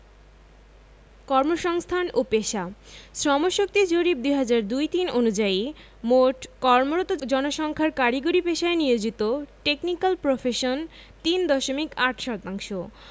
র্মসংস্থান ও পেশাঃ শ্রমশক্তি জরিপ ২০০২ ৩ অনুযায়ী মোট কর্মরত জনসংখ্যার কারিগরি পেশায় নিয়োজিত টেকনিকাল প্রফেশনাল ৩ দশমিক ৮ শতাংশ